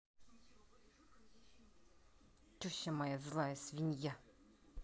теща моя злая свинья